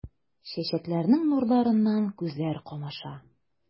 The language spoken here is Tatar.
Чәчәкләрнең нурларыннан күзләр камаша.